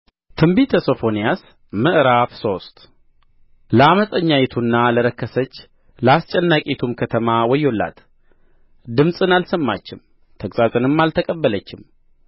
ትንቢተ ሶፎንያስ ምዕራፍ ሶስት ለዓመፀኛይቱና ለረከሰች ለአስጨናቂይቱም ከተማ ወዮላት ድምፅን አልሰማችም ተግሣጽንም አልተቀበለችም